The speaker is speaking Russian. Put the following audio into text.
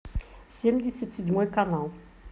семьдесят седьмой канал